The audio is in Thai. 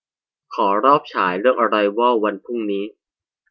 ขอรอบฉายเรื่องอะไรวอลวันพรุ่งนี้